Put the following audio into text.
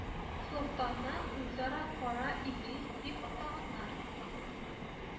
Солтанны үзара кара иблис дип атаганнар